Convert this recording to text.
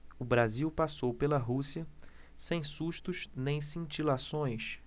o brasil passou pela rússia sem sustos nem cintilações